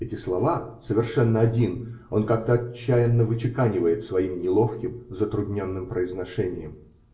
Эти слова "совершенно один" он как-то отчаянно вычеканивает своим неловким, затрудненным произношением.